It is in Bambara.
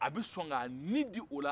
a bɛ sɔn ka niin di o la